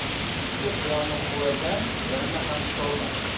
ikki quyonni quvlagan birini ham tutolmas